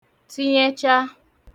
tinyecha